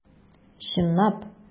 Чынлап!